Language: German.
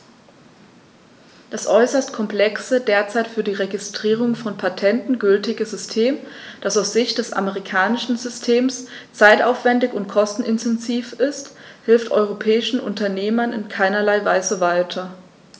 Das äußerst komplexe, derzeit für die Registrierung von Patenten gültige System, das aus Sicht des amerikanischen Systems zeitaufwändig und kostenintensiv ist, hilft europäischen Unternehmern in keinerlei Weise weiter.